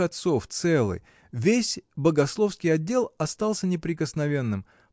отцов целы, весь богословский отдел остался неприкосновенным